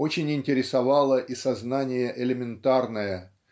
очень интересовало и сознание элементарное